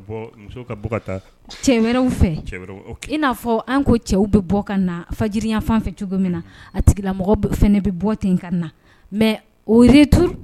A fɔ cɛw bɛ bɔ ka na faji fan fɛ cogo min na a tigilamɔgɔ bɛ bɔ ten ka na mɛ o